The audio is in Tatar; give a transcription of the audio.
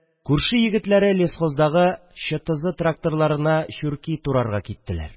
Күрше егетләре лесхоздагы ЧТЗ тракторларына чүрки турарга киттеләр